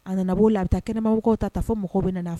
A nana'o la a bɛ taa kɛnɛmabagaw ta taa fɔ mɔgɔw bɛ nana fɛ